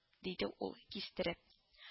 — диде ул кистереп